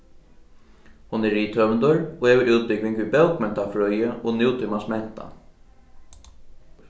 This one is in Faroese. hon er rithøvundur og hevur útbúgving í bókmentafrøði og nútímans mentan